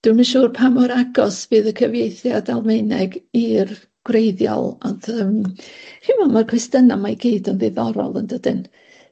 dwi'm yn siŵr pa mor agos fydd y cyfieithiad Almaeneg i'r gwreiddiol ond yym chi'n w' ma'r cwestiyna' 'ma i gyd yn ddiddorol yn dydyn?